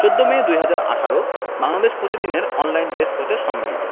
১৪মে ২০১৮ বাংলাদেশ প্রতিদিন এর online desk হতে সংগৃহীত